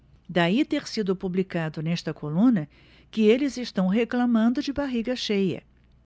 daí ter sido publicado nesta coluna que eles reclamando de barriga cheia